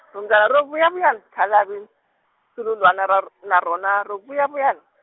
rhumbyana ro vuyavuyani khalavi, nsululwani rar- na rona ro vuyavuyan-.